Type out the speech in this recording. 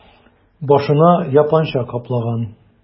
Башына япанча каплаган...